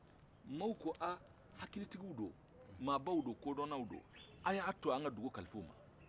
maaw ko aaa hakilitigiw do maabaw do kodɔnnanw do a y'a to an ka dugu kalifa u ma